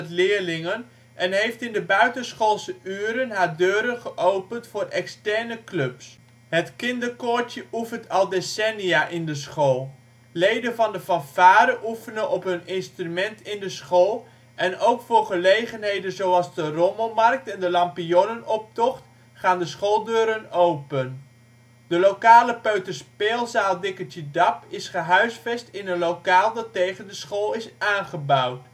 leerlingen en heeft in de buitenschoolse uren haar deuren open voor externe clubs: het kinderkoortje oefent al decennia in de school. Leden van de fanfare oefenen op hun instrument in de school en ook voor gelegenheden zoals de rommelmarkt en de lampionnenoptocht gaan de schooldeuren open. De lokale peuterspeelzaal Dikkertje Dap is gehuisvest in een lokaal dat tegen de school is aangebouwd